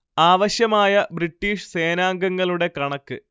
ആവശ്യമായ ബ്രിട്ടീഷ് സേനാംഗങ്ങളുടെ കണക്ക്